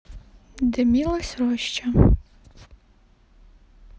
дымилась роща